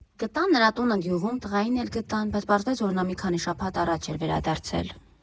Գտան նրա տունը գյուղում, տղային էլ գտան, բայց պարզվեց, որ նա մի քանի շաբաթ առաջ էր վերադարձել։